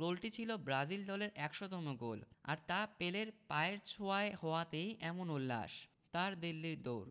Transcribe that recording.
গোলটি ছিল ব্রাজিল দলের ১০০তম গোল আর তা পেলের পায়ের ছোঁয়ায় হওয়াতেই এমন উল্লাস তারদেল্লির দৌড়